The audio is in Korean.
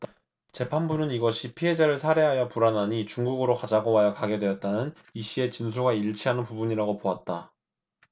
재판부는 이것이 피해자를 살해하여 불안하니 중국으로 가자고 하여 가게 되었다는 이씨의 진술과 일치하는 부분이라고 보았다